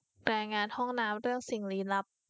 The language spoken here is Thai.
รายงานห้องน้ำเรื่องสิ่งลี้ลับ